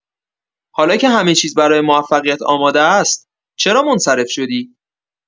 حالا که همه‌چیز برای موفقیت آماده است، چرا منصرف شدی؟